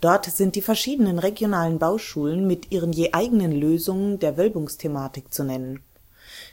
dort sind die verschiedenen regionalen Bauschulen mit ihren je eigenen Lösungen der Wölbungsthematik zu nennen,